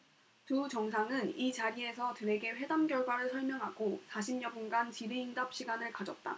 두 정상은 이 자리에서 들에게 회담 결과를 설명하고 사십 여분간 질의응답 시간을 가졌다